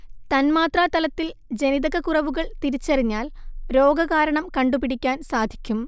തന്മാത്രാതലത്തിൽ ജനിതക കുറവുകൾ തിരിച്ചറിഞ്ഞാൽ രോഗകാരണം കണ്ടുപിടിക്കാൻ സാധിക്കും